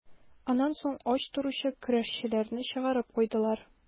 Аннан соң ач торучы көрәшчеләрне чыгарып куйдылар.